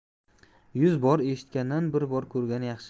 yuz bor eshitgandan bir bor ko'rgan yaxshi